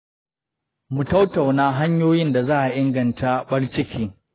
mu tattauna hanyoyin da za a inganta barcinki.